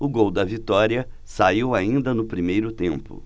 o gol da vitória saiu ainda no primeiro tempo